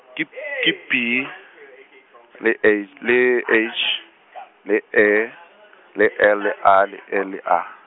ke ke P, le A, le H, le E, le L le A le E le A.